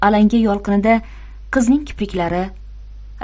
alanga yolqinida qizning kipriklari